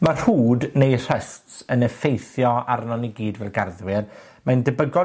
Ma' rhwd neu rhusts yn effeithio arnon ni gyd fel garddwyr. Mae'n debygol